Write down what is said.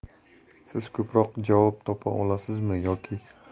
siz ko'proq javob topa